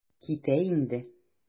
Китә инде.